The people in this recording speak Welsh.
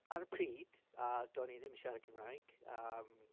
Ar y pryd, a do'n i ddim yn siarad Cymraeg,